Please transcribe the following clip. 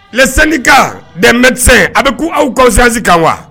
Leni ka dɛmɛmeti a bɛ k' aw kasansi kan wa